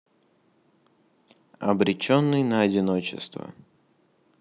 обреченный на одиночество